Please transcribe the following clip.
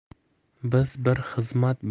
biz bir xizmat